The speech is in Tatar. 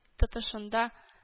Тотышында